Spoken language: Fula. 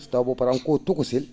so taw bo para* ko tokosel